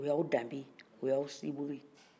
o y'aw dambe ye o y'aw si bolo ye